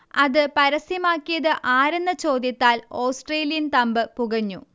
അത് പരസ്യമാക്കിയത് ആരെന്ന ചോദ്യത്താൽ ഓസ്ട്രേലിയൻ തമ്പ് പുകഞ്ഞു